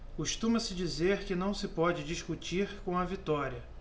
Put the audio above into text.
costuma-se dizer que não se pode discutir com a vitória